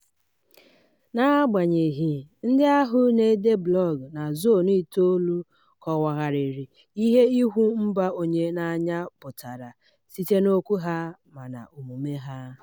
Na-agbanyeghị, ndị ahụ na-ede blọọgụ na Zone9 kọwagharịrị ihe ịhụ mba onye n'anya pụtara site n'okwu ha ma n'omume ha.